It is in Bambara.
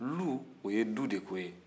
lu o ye du de ko ye